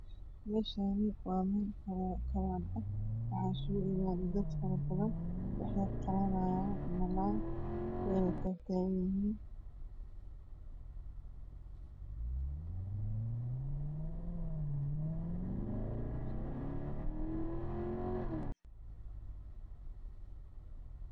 Meshaani waa meel kawan eh waxaa iskugu imadaya dad fara badan wexey qalanaayan malaay weyna tag tagan yihiin